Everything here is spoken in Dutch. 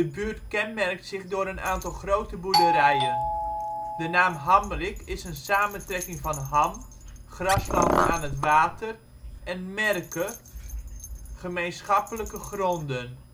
buurt kenmerkt zich door een aantal grote boerderijen. De naam hamrik is een samentrekking van ham (grasland aan het water) en merke, gemeenschappelijke gronden